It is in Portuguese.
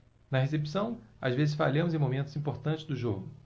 na recepção às vezes falhamos em momentos importantes do jogo